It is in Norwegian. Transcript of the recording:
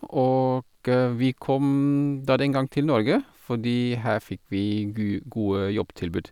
Og vi kom da den gang til Norge fordi her fikk vi gu gode jobbtilbud.